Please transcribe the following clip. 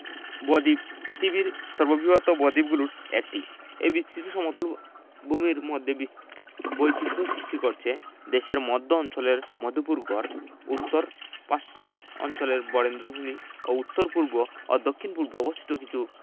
বদ্বীপ পৃথিবীর সর্ববৃহৎ বদ্বীপগুলোর একটি এই বিস্তৃত সমতল ভূমির মধ্যে বৈচিত্র্য সৃষ্টি করেছে দেশের মধ্য অঞ্চলের মধুপুর গড় উত্তর পশ্চিমাঞ্চলের বরেন্দ্রভূমি এবং উত্তর পূর্ব ও দক্ষিণ পূর্বে অবস্থিত কিছু